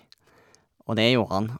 Og det gjorde han.